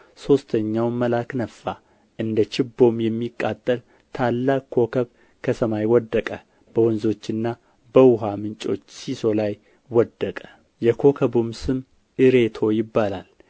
ሦስተኛውም መልአክ ነፋ እንደ ችቦም የሚቃጠል ታላቅ ኮከብ ከሰማይ ወደቀ በወንዞችና በውኃም ምንጮች ሲሶ ላይ ወደቀ የኮከቡም ስም እሬቶ ይባላል